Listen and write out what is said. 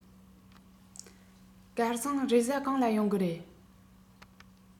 སྐལ བཟང རེས གཟའ གང ལ ཡོང གི རེད